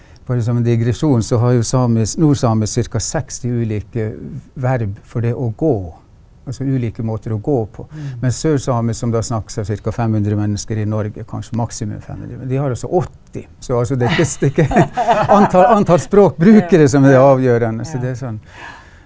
bare som en digresjon så har jo nordsamisk ca. 60 ulike verb for det å gå altså ulike måter å gå på mens sør-samisk som det her snakkes ca. 500 mennesker i Norge kanskje maksimum fem hundre, men de har altså 80 så altså det er ikke det er ikke antall antall språkbrukere som er det avgjørende så det er sånn.